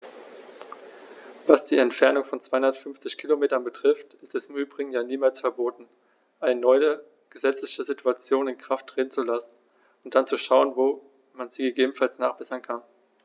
Was die Entfernung von 250 Kilometern betrifft, ist es im Übrigen ja niemals verboten, eine neue gesetzliche Situation in Kraft treten zu lassen und dann zu schauen, wo man sie gegebenenfalls nachbessern kann.